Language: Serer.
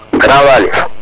Grand Waly